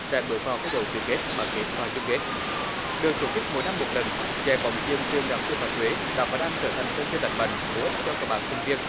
sẽ bước vào thi đấu tứ kết bán kết và chung kết được tổ chức mỗi năm một lần giải bóng chuyền trường đại học sư phạm huế đã và đang trở thành sân chơi lành mạnh bổ ích cho các bạn sinh viên